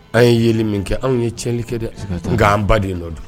An ye yeli min kɛ anw ye cɛnli kɛ dɛ nka an ba de nɔ don